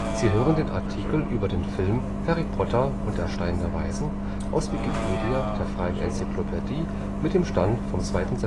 Sie hören den Artikel Harry Potter und der Stein der Weisen (Film), aus Wikipedia, der freien Enzyklopädie. Mit dem Stand vom